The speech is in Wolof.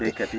baykat yi